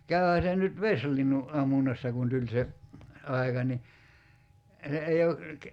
käyhän se nyt vesilinnun ammunnassa kun tuli se aika niin se ei ole